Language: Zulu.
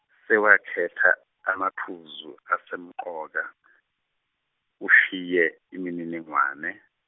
sewakhetha amaphuzu asemqoka, ushiye imininingwane.